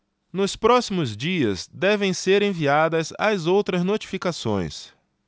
nos próximos dias devem ser enviadas as outras notificações